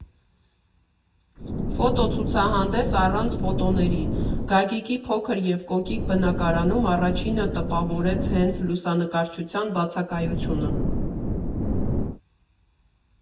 Ֆոտո ցուցահանդես առանց ֆոտոների Գագիկի փոքր և կոկիկ բնակարանում առաջինը տպավորեց հենց լուսանկարչության բացակայությունը։